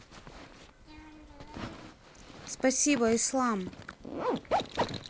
спасибо ислам